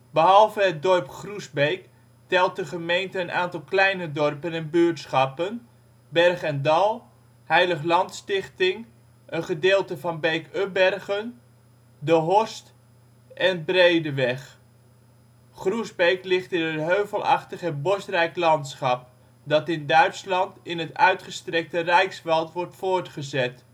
Behalve het dorp Groesbeek telt de gemeente een aantal kleine dorpen en buurtschappen: Berg en Dal, Heilig Landstichting, een gedeelte van Beek-Ubbergen, De Horst en Breedeweg. Groesbeek ligt in een heuvelachtig en bosrijk landschap, dat in Duitsland in het uitgestrekte Reichswald wordt voortgezet